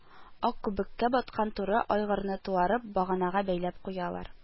Ак күбеккә баткан туры айгырны, туарып, баганага бәйләп куялар